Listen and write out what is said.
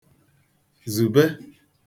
zùbe